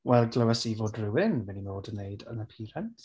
Wel glywes i fod rywun yn mynd i fod yn wneud an appearance.